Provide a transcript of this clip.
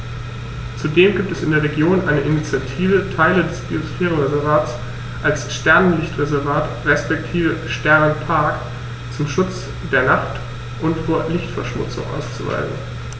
Zudem gibt es in der Region eine Initiative, Teile des Biosphärenreservats als Sternenlicht-Reservat respektive Sternenpark zum Schutz der Nacht und vor Lichtverschmutzung auszuweisen.